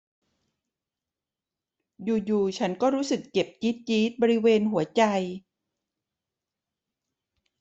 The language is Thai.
อยู่อยู่ฉันก็รู้สึกเจ็บจี๊ดจี๊ดบริเวณหัวใจ